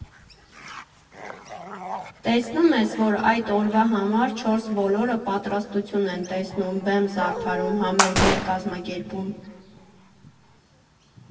Տեսնում ես, որ այդ օրվա համար չորսբոլորը պատրաստություն են տեսնում, բեմ զարդարում, համերգներ կազմակերպում։